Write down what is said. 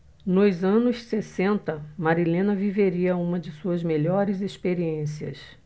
nos anos sessenta marilena viveria uma de suas melhores experiências